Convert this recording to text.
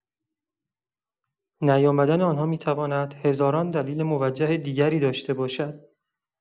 نیامدن آن‌ها می‌تواند هزاران دلیل موجه دیگری داشته باشد.